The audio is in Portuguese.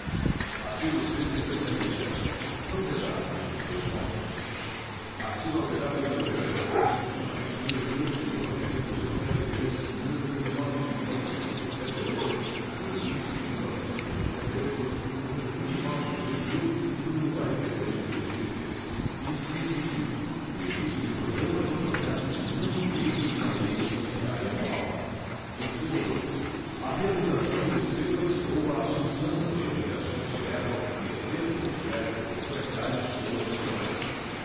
artigo cento e sessenta e sete são vedados dois pontos artigo alterado pelas emendas constitucionais número três de mil novecentos e noventa e três número dezenove de mil novecentos e noventa e oito número vinte de mil novecentos e noventa e oito número vinte e nove de dois mil e número quarenta e dois de dois mil e três inciso um o início de programas ou projetos não incluídos na lei orçamentária anual inciso dois a realização de despesas ou a assunção de obrigações diretas que excedam os créditos orçamentários ou adicionais